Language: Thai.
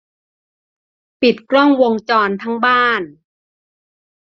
ปิดกล้องวงจรทั้งบ้าน